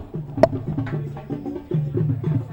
Sanunɛgɛnin